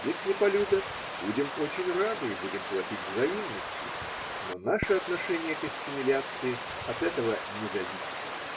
если полюбят, будем очень рады и будем платить взаимностью, но наше отношение к ассимиляции от этого не зависит.